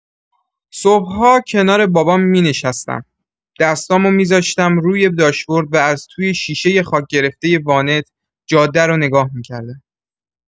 صبح‌ها کنار بابام می‌نشستم، دست‌هامو می‌ذاشتم روی داشبورد و از توی شیشۀ خاک‌گرفتۀ وانت، جاده رو نگاه می‌کردم.